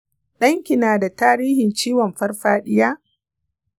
danki nada tarihin ciwon farfadiya